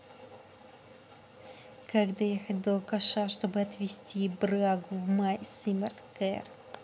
как доехать до алкаша чтобы отвести брагу в my summer car